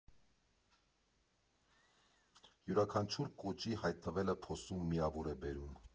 Յուրաքանչյուր կոճի հայտնվելը փոսում միավոր է բերում։